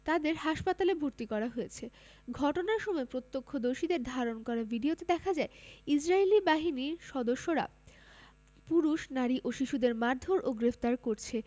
তাদের হাসপাতালে ভর্তি করা হয়েছে ঘটনার সময় প্রত্যক্ষদর্শীদের ধারণ করা ভিডিওতে দেখা যায় ইসরাইলী বাহিনীর সদস্যরা পুরুষ নারী ও শিশুদের মারধোর ও গ্রেফতার করছে